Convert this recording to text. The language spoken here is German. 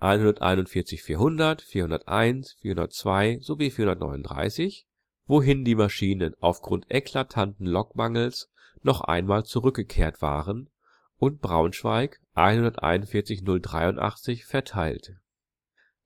141 400, 401, 402 sowie 439), wohin die Maschinen aufgrund eklatanten Lokmangels noch einmal zurückgekehrt waren, und Braunschweig (141 083) verteilt.